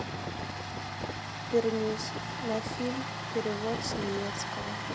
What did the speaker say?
вернись на фильм перевод с немецкого